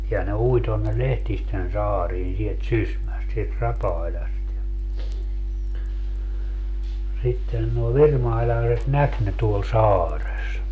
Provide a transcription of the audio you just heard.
ja ne ui tuonne Lehtisten saariin sieltä Sysmästä sieltä Rapailasta ja sitten nuo virmailaiset näki ne tuolla saaressa